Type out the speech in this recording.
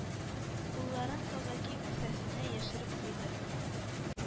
Кулларын казаки кесәсенә яшереп куйды.